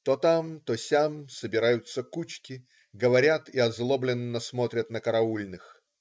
То там, то сям собираются кучки, говорят и озлобленно смотрят на караульных.